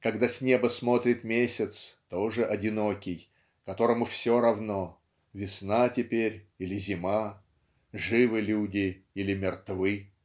когда с неба смотрит месяц тоже одинокий которому все равно весна теперь или зима живы люди или мертвы!".